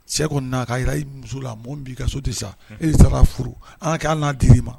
Tiɲɛ kɔni n'a ka jira i muso la, mɔgɔ min b'i ka so tɛ sa, an ka kɛ hali di ra i ma.